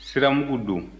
siramugu don